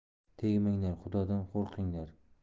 tegmanglar xudodan qo'rqinglar